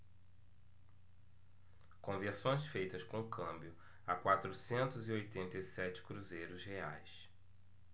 conversões feitas com câmbio a quatrocentos e oitenta e sete cruzeiros reais